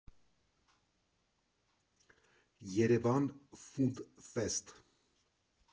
Երևան ֆուդ ֆեսթ։